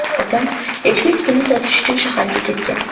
opam echki sutini sotish uchun shaharga ketgan